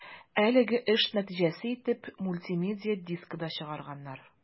Әлеге эш нәтиҗәсе итеп мультимедия дискы да чыгарганнар.